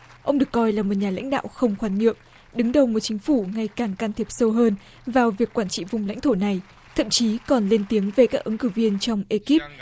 ông được coi là một nhà lãnh đạo không khoan nhượng đứng đầu một chính phủ ngày càng can thiệp sâu hơn vào việc quản trị vùng lãnh thổ này thậm chí còn lên tiếng về các ứng cử viên trong ê kíp